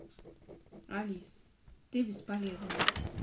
алис ты бесполезная